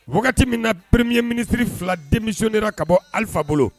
Wagati min na peremeye minisiriri fila denmisɛnwmini ka bɔ alifa bolo